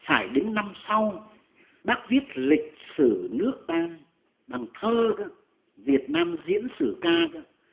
phải đến năm sau bác viết lịch sử nước ta bằng thơ cơ việt nam diễn sử ca cơ